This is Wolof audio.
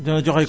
dina la jox ay